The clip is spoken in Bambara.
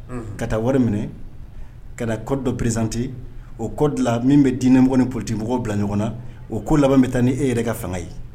Ka taa wari minɛ ka kɔ dɔ perezte o kɔ dilan min bɛ diinɛ ni porote mɔgɔw bila ɲɔgɔn na o ko laban bɛ taa ni e yɛrɛ ka fanga ye